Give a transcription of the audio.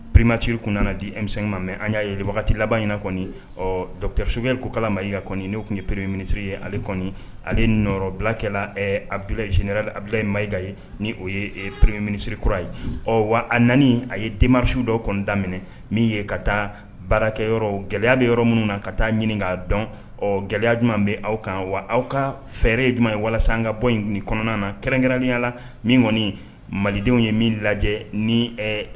Peremaciri kun dimisɛn ma mɛ an y'a ye wagati laban inina kɔni ɔuru ko kala mahika kɔni' tun ye peree minisiri ye ale kɔni ale nɔrɔbilakɛla abudu abuduye malika ye ni o ye perepm minisiriri kura ye ɔ wa a naani a ye densiw dɔ kɔnida minɛ min ye ka taa baarakɛ yɔrɔ gɛlɛya bɛ yɔrɔ minnu na ka taa ɲininka k dɔn ɔ gɛlɛya jumɛn bɛ aw kan wa aw ka fɛɛrɛ ye jumɛn ye walasa an ka bɔ in nin kɔnɔna na kɛrɛnkɛrɛnliya la min kɔni malidenw ye min lajɛ ni